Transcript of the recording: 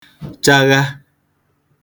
chagha